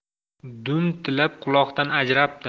dum tilab quloqdan ajrabdi